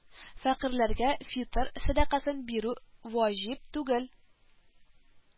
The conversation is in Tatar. Фәкыйрьләргә фитыр сәдакасын бирү ваҗип түгел